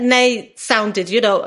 neu sounded you know.